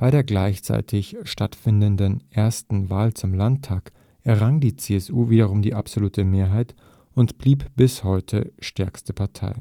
der gleichzeitig stattfindenden ersten Wahl zum Landtag errang die CSU wiederum die absolute Mehrheit und blieb bis heute stärkste Partei